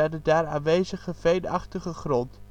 de daar aanwezige veenachtige grond